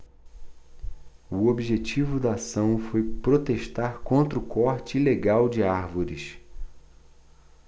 o objetivo da ação foi protestar contra o corte ilegal de árvores